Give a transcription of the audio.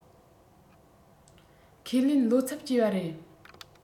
ཁས ལེན བློ འཚབ སྐྱེ བ རེད